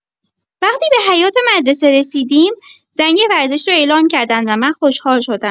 وقتی به حیاط مدرسه رسیدیم، زنگ ورزش را اعلام کردند و من خوشحال شدم.